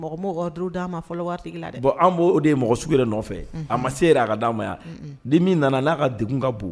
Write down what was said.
Mɔgɔdu d'a ma fɔlɔ waatitigi la bon b' o de ye mɔgɔ sugu nɔfɛ a ma se a ka di' ma yan ni min nana n'a ka de ka bon